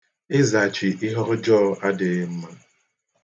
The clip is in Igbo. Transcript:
Ịzachi ihe ọjọọ adịghị mma.